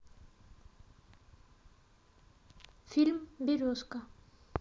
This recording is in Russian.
фильм березка